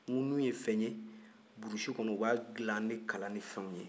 ŋunun ye fɛn ye burusi kɔnɔ u b' dilan ni kala ni fɛnw ye